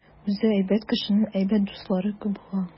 Үзе әйбәт кешенең әйбәт дуслары күп була.